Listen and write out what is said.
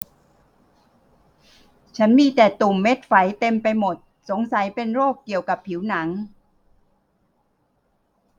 ฉันมีแต่ตุ่มเม็ดไฝเต็มไปหมดสงสัยเป็นโรคเกี่ยวกับผิวหนัง